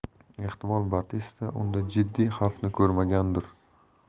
ehtimol batista unda jiddiy xavfni ko'rmagandir